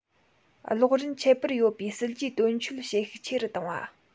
གློག རིན ཁྱད པར ཡོད པའི སྲིད ཇུས དོན འཁྱོལ བྱེད ཤུགས ཆེ རུ བཏང བ